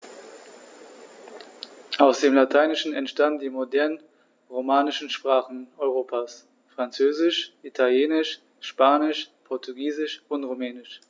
Aus dem Lateinischen entstanden die modernen „romanischen“ Sprachen Europas: Französisch, Italienisch, Spanisch, Portugiesisch und Rumänisch.